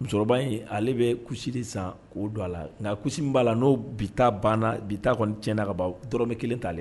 Musokɔrɔba in ale bɛ kusi de san k'o don a la nka kusi min b'a la n'o bi taa banna , bi taa kɔni tiɲɛna ka ban dɔrɔmɛ 1 t'ale bolo!